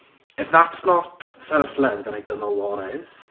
If that's not self-love, then I don't know what is.